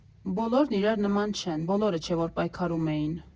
Բոլորն իրար նման չեն, բոլորը չէ, որ պայքարում էին։